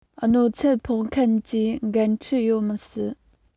གནོད འཚེ ཕོག མཁན གྱི འགན འཁྲི ཡོད མི སྲིད